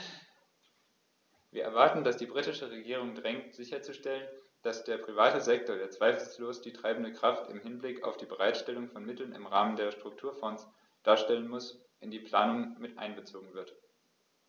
Wir erwarten, dass sie die britische Regierung drängt sicherzustellen, dass der private Sektor, der zweifellos die treibende Kraft im Hinblick auf die Bereitstellung von Mitteln im Rahmen der Strukturfonds darstellen muss, in die Planung einbezogen wird.